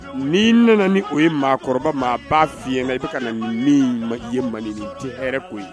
Ni ne ni o ye maakɔrɔba maa ba fi i bɛ ka na ni i ye manden ni di hɛrɛ ko ye